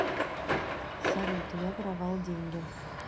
салют я воровал деньги